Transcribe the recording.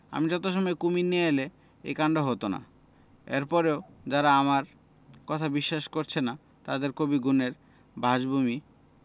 আমি যথাসময়ে কুমীর নিয়ে এলে এই কান্ড হত না এর পরেও যারা আমার কথা বিশ্বাস করছেন না তাঁদের কবি গুণের বাসভূমি